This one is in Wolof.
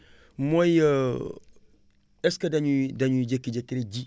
mooy est ce que da ñuy da ñuy jékki-jékki rek ji